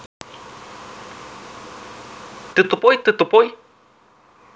ты тупой ты тупой